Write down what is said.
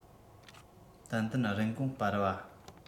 ཏན ཏན རིན གོང སྤར བ